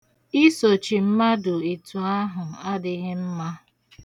Isochi mmadụ etu ahụ adịghị mma.